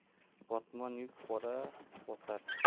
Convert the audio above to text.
botmon yuk bora bosar